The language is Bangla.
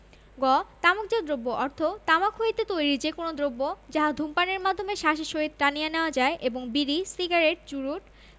গ তামাকজাত দ্রব্য অর্থ তামাক হইতে তৈরী যে কোন দ্রব্য যাহা ধূমপানের মাধ্যমে শ্বাসের সহিত টানিয়া নেওয়া যায় এবং বিড়ি সিগারেট চুরুট